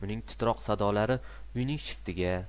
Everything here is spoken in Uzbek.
uning titroq sadollari uyning shiftiga